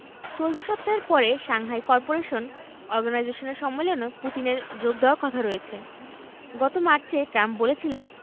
চলতি সপ্তাহের পরে সাংহাই করপোরেশন অর্গানাইজেশনের সম্মেলনে পুতিনের যোগ দেওয়ার কথা রয়েছে গত মার্চে ট্রাম্প বলেছিলেন